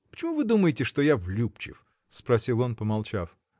— Почему вы думаете, что я влюбчив? — спросил он, помолчав.